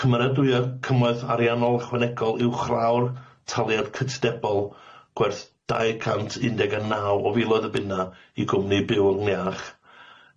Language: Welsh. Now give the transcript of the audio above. Cymeradwya cymwaith ariannol ychwanegol uwch lawr taliad cytadebol gwerth- dau cant un deg a naw o filoedd o bunna i gwmni byw yn iach,